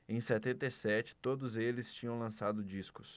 em setenta e sete todos eles tinham lançado discos